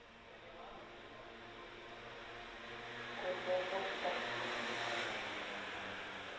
кот леопольд такси